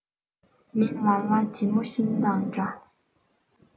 མི ལ ལ དབྱི མོང ཤིང དང འདྲ